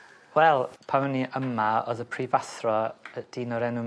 Wel pan o'n i yma odd y prifathro dyn o'r enw...